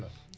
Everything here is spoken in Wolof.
ak lan